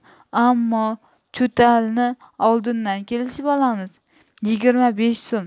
ammo cho'talni oldindan kelishib olamiz yigirma besh so'm